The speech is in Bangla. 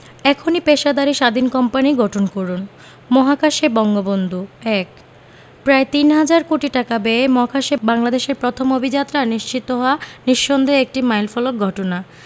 এখনই পেশাদারি স্বাধীন কোম্পানি গঠন করুন মহাকাশে বঙ্গবন্ধু ১ প্রায় তিন হাজার কোটি টাকা ব্যয়ে মহাকাশে বাংলাদেশের প্রথম অভিযাত্রা নিশ্চিত হওয়া নিঃসন্দেহে একটি মাইলফলক ঘটনা